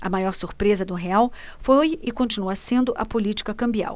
a maior surpresa do real foi e continua sendo a política cambial